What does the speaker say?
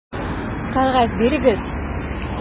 Кәгазь бирегез!